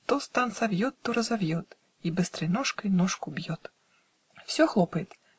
То стан совьет, то разовьет И быстрой ножкой ножку бьет. Все хлопает.